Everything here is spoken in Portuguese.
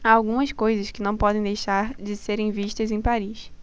há algumas coisas que não podem deixar de serem vistas em paris